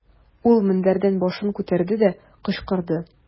Ул мендәрдән башын күтәрде дә, кычкырды.